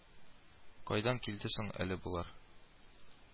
Кайдан килде соң әле болар